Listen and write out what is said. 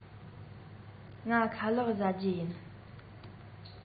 ང ཁ ལག བཟའ རྒྱུ ཡིན